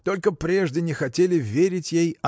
– только прежде не хотели верить ей